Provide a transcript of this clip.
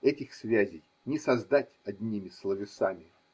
Этих связей не создать одними словесами.